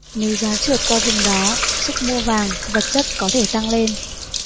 nếu giá trượt qua vùng đó sức mua vàng vật chất có thể tăng lên